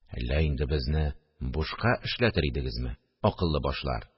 – әллә инде безне бушка эшләтер идегезме?.. акыллы башлар